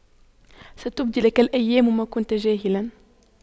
ستبدي لك الأيام ما كنت جاهلا